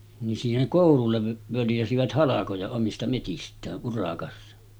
niin siihen koululle völjäsivät halkoja omista metsistään urakassa